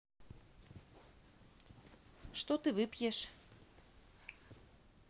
что ты выпьешь